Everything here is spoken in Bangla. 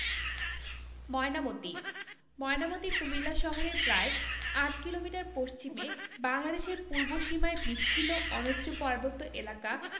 ময়নামতী ময়নামতী কুমিল্লা শহরের প্রায় ৮ কিলোমিটার পশ্চিমে বাংলাদেশের পূর্ব সীমায় বিচ্ছিন্ন অনুচ্চ পার্বত্য এলাকা